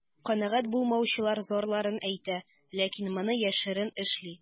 Канәгать булмаучылар зарларын әйтә, ләкин моны яшерен эшли.